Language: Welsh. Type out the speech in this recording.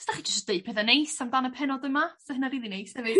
os dach chi jyst yn deud petha neis amdan y pennod yma 'sa hynna rili neis hefyd.